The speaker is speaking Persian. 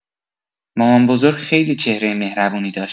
مامان‌بزرگ خیلی چهرۀ مهربونی داشت.